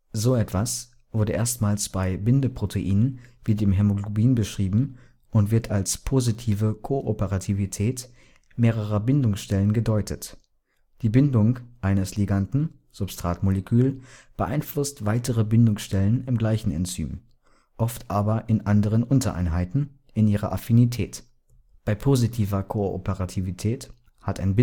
So etwas wurde erstmals bei Bindeproteinen wie dem Hämoglobin beschrieben und wird als positive Kooperativität mehrerer Bindungsstellen gedeutet: die Bindung eines Liganden (Substratmolekül) beeinflusst weitere Bindungsstellen im gleichen Enzym (oft aber in anderen Untereinheiten) in ihrer Affinität. Bei positiver Kooperativität hat ein